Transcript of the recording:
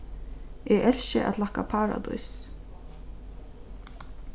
eg elski at lakka paradís